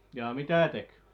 jaa mitä teki